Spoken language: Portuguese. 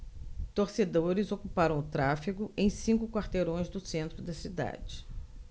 torcedores ocuparam o tráfego em cinco quarteirões do centro da cidade